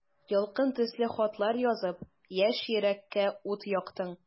Ялкын төсле хатлар язып, яшь йөрәккә ут яктың.